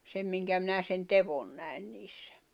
sen minkä minä sen teon näin niissä